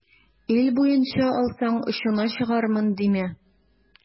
Ил буенча алсаң, очына чыгармын димә.